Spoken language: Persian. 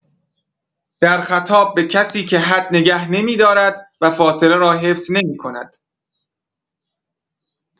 در خطاب به کسی که حد نگه نمی‌دارد و فاصله را حفظ نمی‌کند